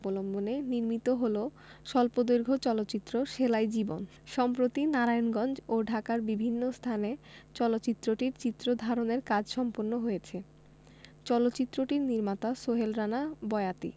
অবলম্বনে নির্মিত হল স্বল্পদৈর্ঘ্য চলচ্চিত্র সেলাই জীবন সম্প্রতি নারায়ণগঞ্জ ও ঢাকার বিভিন্ন স্থানে চলচ্চিত্রটির চিত্র ধারণের কাজ সম্পন্ন হয়েছে চলচ্চিত্রটির নির্মাতা সোহেল রানা বয়াতি